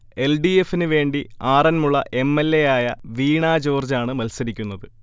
L. D. എഫിന് വേണ്ടി Aranmula M. L. എയായ വീണ ജോർജാണ് മത്സരിക്കുന്നത്